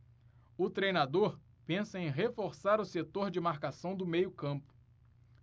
o treinador pensa em reforçar o setor de marcação do meio campo